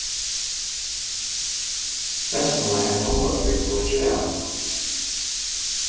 vestmanna er ein hondbóltsbygd burturav